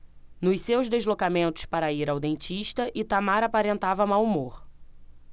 nos seus deslocamentos para ir ao dentista itamar aparentava mau humor